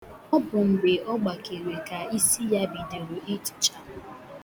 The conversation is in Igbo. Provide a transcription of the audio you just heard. Ọ bụ mgbe ọ gbakere ka isi ya bidoro ịtụcha